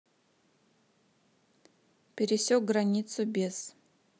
пересек границу без